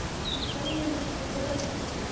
Бернинди начарлыгы да юк.